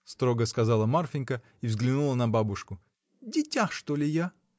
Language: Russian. — строго сказала Марфинька и взглянула на бабушку, — дитя, что ли, я?.